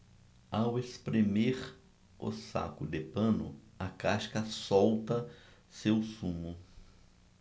ao espremer o saco de pano a casca solta seu sumo